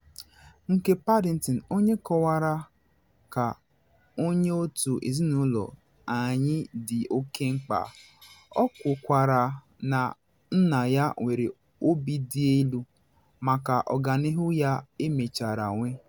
Nke Paddington, onye kọwara ka “onye otu ezinụlọ anyị dị oke mkpa,” o kwukwara na nna ya nwere obi dị elu maka ọganihu ya emechara nwee.